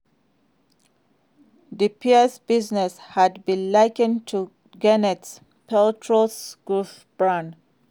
The pair's business had been likened to Gwyneth Paltrow's Goop brand.